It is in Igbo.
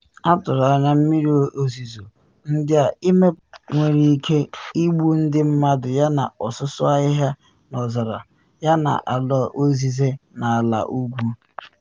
Atụrụ anya mmiri ozizo ndị a ịmepụta ịde mmiri nwere ike igbu ndị mmadụ yana ọsụsọ ahịhịa n’ọzara, yana ala ọzịze n’ala ugwu.